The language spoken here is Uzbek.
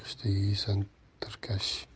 qishda yeysan tirkish